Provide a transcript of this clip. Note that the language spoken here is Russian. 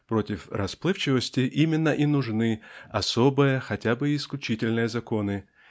Против расплывчатости именно и нужны особые хотя бы и исключительные законы